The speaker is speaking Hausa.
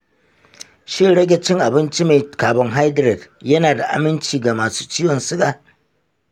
shin rage cin abinci mai carbohydrate yana da aminci ga masu ciwon siga?